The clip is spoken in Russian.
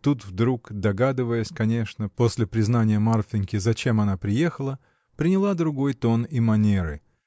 тут вдруг, догадываясь, конечно, после признания Марфиньки, зачем она приехала, приняла другой тон и манеры.